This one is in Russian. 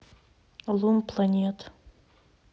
лум планет